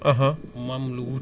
ci région de Louga